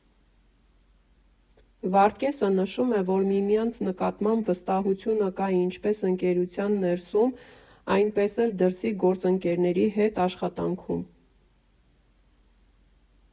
Վարդգեսը նշում է, որ միմյանց նկատմամբ վստահությունը կա ինչպես ընկերության ներսում, այնպես էլ դրսի գործընկերների հետ աշխատանքում։